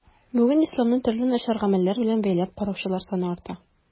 Бүген исламны төрле начар гамәлләр белән бәйләп караучылар саны арта.